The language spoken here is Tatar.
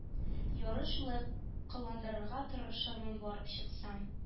Ярый шулай кыландырырга тырышырмын барып чыкса